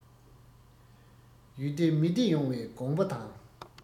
ཡུལ བདེ མི བདེ ཡོང བའི དགོངས པ དང